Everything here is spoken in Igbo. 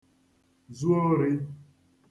-zu orī